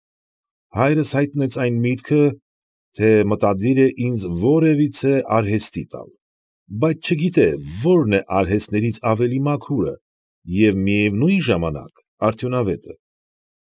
Հայրս հայտնեց այն միտքը, թե մտադիր է ինձ որևիցե արհեստի տալ, բայց չգիտե ո՛րն է արհեստներից ավելի մաքուրը և, միևնույն ժամանակ, արդյունավետը։